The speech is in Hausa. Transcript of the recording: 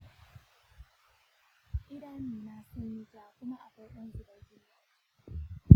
idanuna sun yi ja kuma akwai ɗan zubar jini a ciki.